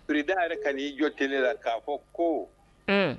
Sirida yɛrɛ ka'i jɔ tele la k'a fɔ ko